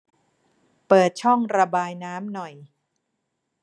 เปิดช่องระบายน้ำหน่อย